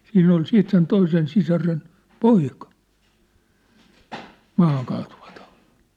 siinä oli siitä sen toisen sisaren poika maahankaatuvatauti